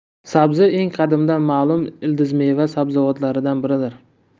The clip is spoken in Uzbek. sabzi eng qadimdan ma'lum ildizmeva sabzavotlardan biridir